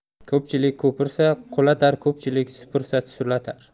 ko'pchilik ko'pirsa qulatar ko'pchilik supursa sulatar